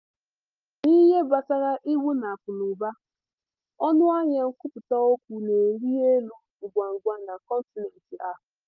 N'ihe gbasara iwu na akụnaụba, ọnụahịa nkwupụta okwu na-arị elu ngwangwa na kọntinent a.